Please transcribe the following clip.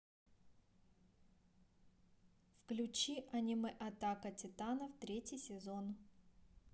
включи аниме атака титанов третий сезон